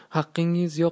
haqqingiz yo'q